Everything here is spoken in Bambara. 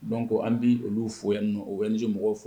Dɔn an bɛ olu fo yan nɔ o w n mɔgɔw fo